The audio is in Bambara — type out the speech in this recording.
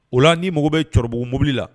O la ni mago bɛ cɛkɔrɔbabugu mobili la